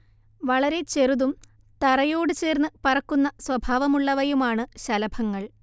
വളരെ ചെറുതും തറയോടു ചേർന്ന് പറക്കുന്ന സ്വഭാവമുള്ളവയുമാണ് ശലഭങ്ങൾ